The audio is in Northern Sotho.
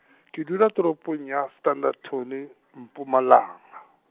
ke dula toropong ya Standerton, Mpumalanga.